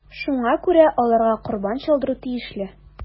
Шуңа күрә аларга корбан чалдыру тиешле.